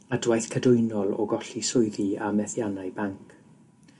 adwaith cadwynol o golli swyddi a methiannau banc.